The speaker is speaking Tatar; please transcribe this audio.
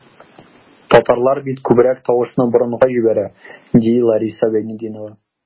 Татарлар бит күбрәк тавышны борынга җибәрә, ди Лариса Гайнетдинова.